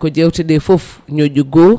ko jewteɗe foof ñoƴƴu goho